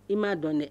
I m'a dɔn dɛ